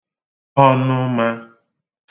ọnụ mā